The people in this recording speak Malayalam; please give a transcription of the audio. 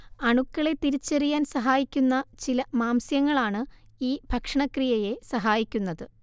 അണുക്കളെ തിരിച്ചറിയാൻ സഹായിക്കുന്ന ചില മാംസ്യങ്ങളാണ് ഈ ഭക്ഷണക്രിയയെ സഹായിക്കുന്നത്